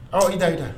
Aw i da i ta